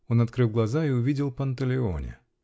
Он открыл глаза и увидел Панталеоне.